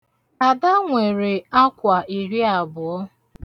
Ada nwere akwa iriabụọ.